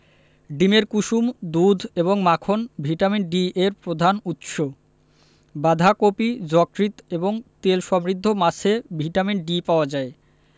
ডিমের কুসুম দুধ এবং মাখন ভিটামিন ডি এর প্রধান উৎস বাঁধাকপি যকৃৎ এবং তেল সমৃদ্ধ মাছে ভিটামিন ডি পাওয়া যায়